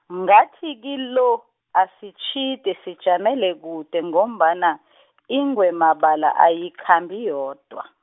ngathi kilo, asitjhide sijamele kude ngombana , ingwemabala ayikhambi yodwa.